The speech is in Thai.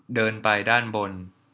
เดินไปด้านบน